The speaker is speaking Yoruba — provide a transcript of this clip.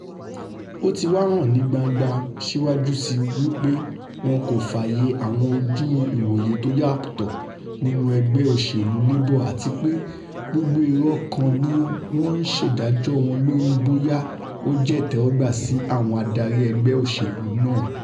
Ó ti wá ńhàn gbangba síwájú síi wí pé wọn kò fààyè àwọn ojú ìwòye tó yàtọ̀ nínú ẹgbẹ́ òṣèlú Labour àtipé gbogbo èrò ọkàn ni wọn ńṣédájọ́ wọn lórí bóyá ó jẹ́ ìtẹ́wọ́gbá sí àwọn adarí ẹgbẹ́ òṣèlú náà.